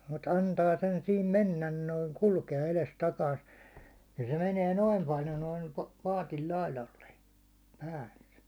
mutta antaa sen siinä mennä noin kulkea edestakaista niin se menee noin paljon noin paatin laidalle päälle